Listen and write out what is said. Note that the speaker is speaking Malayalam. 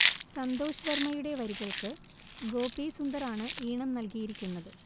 സന്തോഷ് വർമയുടെ വരികൾക്ക് ഗോപീ സുന്ദറാണ് ഈണം നൽകിയിരിക്കുന്നത്